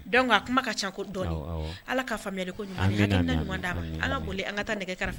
Dɔnku a kuma ka ca ko dɔɔnin ala k'a ko da ala boli an ka taa nɛgɛ kɛrɛfɛ